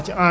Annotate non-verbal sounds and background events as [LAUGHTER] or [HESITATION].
[HESITATION]